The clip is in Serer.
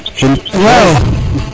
waaw